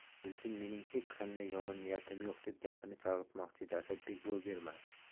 elchin mening hech qanday yomon niyatim yo'q deb gapni chalg'itmoqchi edi asadbek yo'l bermadi